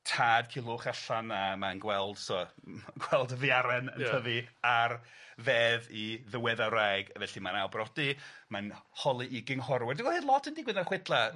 tad Culhwch allan a mae'n gweld so m- gweld y fiaren yn tyfu ar fedd 'i ddiweddar wraig, felly mae'n ailbrodi mae'n holi 'i gynghorwyr. Dwi weld lot yn digwydd yn y chwedla.